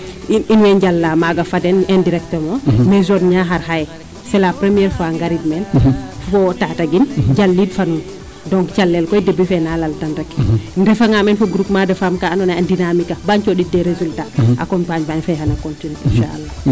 In wey njala fa den maaga indirectement mais zone Niakhar xaye c' est la premier fois gariid meen bo Tataguine jaliid fo nuun donc calel moom début fe naa laltan rek i ndefanga meen fo groupement de femme kaa andoona ye a dynamique a ba cooxit des résultat accompagement fee xan a continuer.